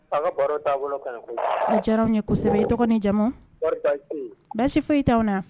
I diyara yesɛbɛ dɔgɔnin jama baasi foyi t'aw na